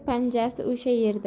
sher panjasi o'sha yerda